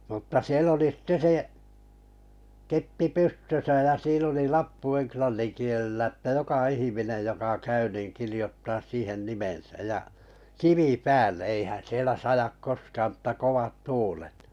mutta siellä oli sitten se keppi pystössä ja siinä oli lappu englannin kielellä että joka ihminen joka käy niin kirjoittaa siihen nimensä ja kivi päälle eihän siellä sada koskaan mutta kovat tuulet